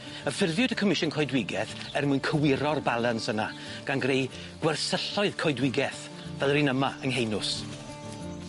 Y ffurfiwyd y Comisiwn Coedwigeth er mwyn cywiro'r balans yna gan greu gwersylloedd coedwigeth, fel yr un yma yng Ngheinws.